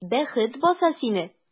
Бәхет баса сине!